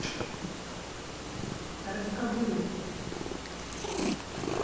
расковыривать